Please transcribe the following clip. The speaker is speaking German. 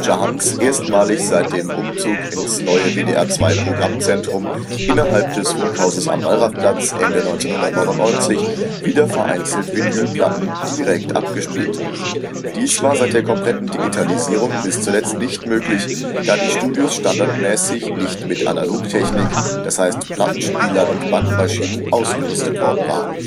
Handts erstmalig seit dem Umzug ins neue WDR 2-Programmzentrum innerhalb des Funkhauses am Wallrafplatz Ende 1999 wieder vereinzelt Vinyl-Platten direkt abgespielt. Dies war seit der kompletten Digitalisierung bis zuletzt nicht möglich, da die Studios standardmäßig nicht mit Analogtechnik (Plattenspielern, Bandmaschinen) ausgerüstet worden waren